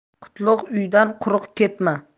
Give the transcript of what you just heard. qutlug' uydan quruq ketma